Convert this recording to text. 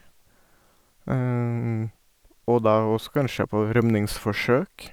Og da også kanskje på rømningsforsøk.